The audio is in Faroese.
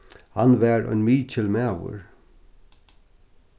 hann var ein mikil maður